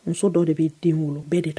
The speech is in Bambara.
Muso dɔ de' den wolo bɛɛ de